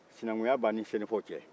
sinankuya b'an ni sɛnɛfɔw cɛ